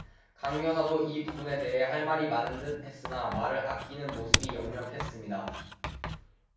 강여사도 이 부분에 대해 할 말이 많은듯 했으나 말을 아끼는 모습이 역력했습니다